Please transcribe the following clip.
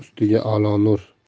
ustiga alo nur